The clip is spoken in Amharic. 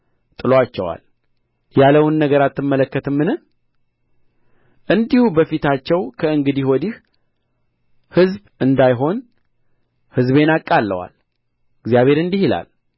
ጥሎአቸዋል ያለውን ነገር አትመለከትምን እንዲሁ በፊታቸው ከእንግዲህ ወዲህ ሕዝብ እንዳይሆን ሕዝቤን አቃልለዋል እግዚአብሔር እንዲህ ይላል